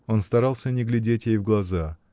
Он старался не глядеть ей в глаза.